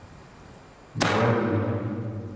давай в меню